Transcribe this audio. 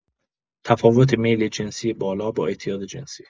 تفاوت میل جنسی بالا با اعتیاد جنسی